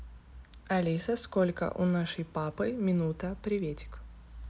алиса сколько у нашей папы минута приветик